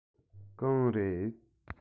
གང རེད